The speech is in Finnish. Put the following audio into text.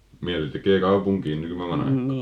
mieli tekee kaupunkiin nykymaailman aikaan